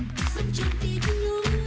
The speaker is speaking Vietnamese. cho đời